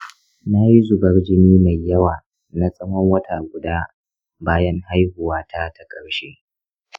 na yi zubar jini mai yawa na tsawon wata guda bayan haihuwata ta ƙarshe.